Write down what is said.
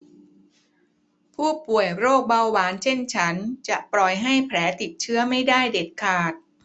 ผู้ป่วยโรคเบาหวานเช่นฉันจะปล่อยให้แผลติดเชื้อไม่ได้เด็ดขาด